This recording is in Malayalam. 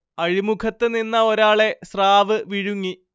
അഴിമുഖത്ത് നിന്ന ഒരാളെ സ്രാവ് വിഴുങ്ങി